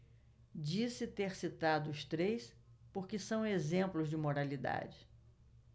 disse ter citado os três porque são exemplos de moralidade